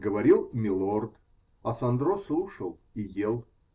Говорил "милорд", а Сандро слушал и ел.